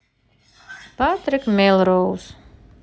патрик мелроуз